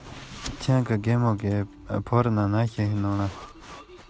གཅིག ཀྱང ལབ རྒྱུ མི འདུག